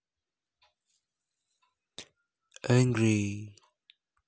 тупица